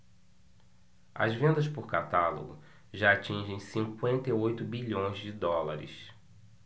as vendas por catálogo já atingem cinquenta e oito bilhões de dólares